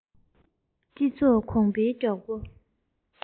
སྤྱི ཚོགས གོང འཕེལ མགྱོགས པོ